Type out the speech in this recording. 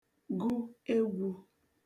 gụ egwū